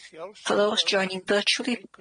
For those joining virtually.